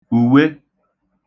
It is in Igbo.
ùwe